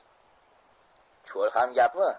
cho'l ham gapmi